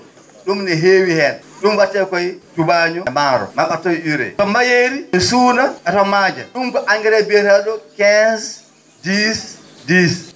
?um no heewi heen ?um wa?etee ko he tubaañoo e maaro maa mi artoy e UREE ko mbayeeri e suuna e to maaja ?um ko engrais biyetee?o 15 10 10